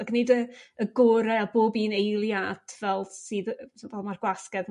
Ac nid y y gore o bob un eiliad fel sydd yrr t'bo' fel ma'r gwasgedd